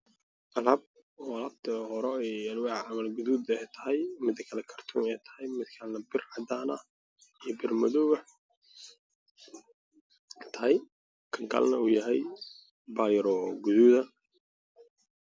Meeshan waxaa iiga muuqda qalab bir ah oo cadaan iyo orange iskugu jira oo meel saaraan